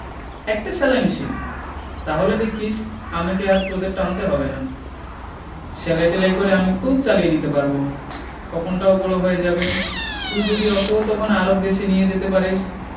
একটা সেলাই মেশিন তাহলে দেখিস আমাকে আর তোদের টানতে হবে না সেলাই টেলাই করে আমি খুব চালিয়ে নিতে পারব খোকনটাও বড় হয়ে যাবে তুই যদি ওকেও তখন আরব দেশে নিয়ে যেতে পারিস